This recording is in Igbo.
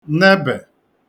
nebè